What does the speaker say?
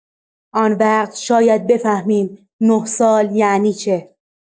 آن وقت شاید بفهمیم ۹ سال یعنی چه؟